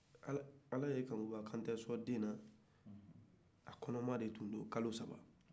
ala te kankuba kante soɔn ten na a kɔnɔman de tun do kalo saba